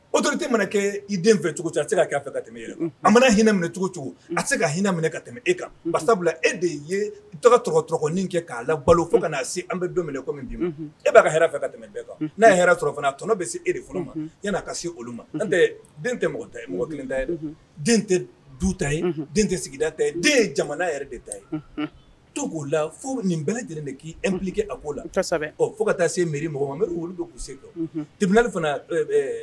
Oto tɛ mana kɛ i den fɛcogo a se ka' fɛ ka tɛmɛ e a mana hinɛ minɛcogocogo a se ka hinɛ minɛ ka tɛmɛ e kan ba sabula e de ye tɔgɔ dɔgɔtɔrɔin kɛ k'a la balo fo ka'a se an bɛ don kɔmi min di e'a ka hɛrɛ fɛ ka tɛmɛ bɛɛ kan n'a ye hɛrɛ t tɔnɔ bɛ se e de fɔlɔ ma yan n'a ka se olu ma tɛ den tɛ mɔgɔ ta ye mɔgɔ kelen ta ye den tɛ du ta ye den tɛ sigida ta ye den ye jamana yɛrɛ de ta ye to k'o la fo nin bɛɛ lajɛlen de k'iplike a ko la fo ka taa se miiri mɔgɔ ma nbari wolo don' se dɔn tibili fana